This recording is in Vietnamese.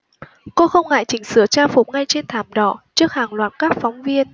cô không ngại chỉnh sửa trang phục ngay trên thảm đỏ trước hàng loạt các phóng viên